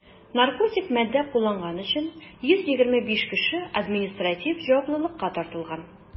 Наркотик матдә кулланган өчен 125 кеше административ җаваплылыкка тартылган.